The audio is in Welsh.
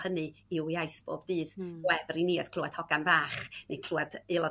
hynny i'w iaith bob dydd wefr i ni oedd clywed hogan fach neu clywed aelod